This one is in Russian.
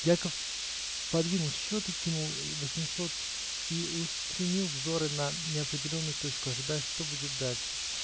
Яков подвинул счеты, кинул восемьсот и устремил взоры на неопределенную точку, ожидая, что будет дальше. --.